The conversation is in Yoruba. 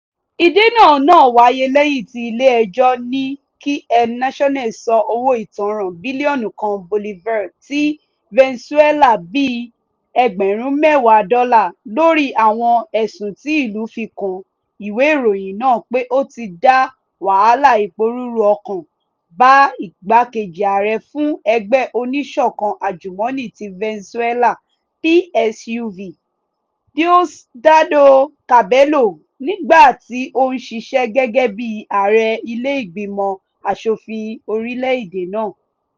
Ìdènà náà wáyé lẹ́yìn tí ilé-ẹjọ́ ní kí El Nacional san owó ìtanràn bílíọ̀nù kan Bolivare ti Venezuela (bíi $10,000 USD), lórí àwọn ẹ̀sùn tí ìlú fi kan ìwé ìròyìn náà pé ó ti dá "wàhálà ìpòruru ọkàn" bá Igbákejì Ààrẹ fún Ẹgbẹ́ Oníṣọ̀kan Àjùmọ̀ní ti Venezuela (PSUV) Diosdado Cabello, nígbà tí ó ń ṣiṣẹ́ gẹ́gẹ́ bíi ààrẹ Ilé-ìgbìmọ̀ aṣòfin Orílẹ̀-èdè náà.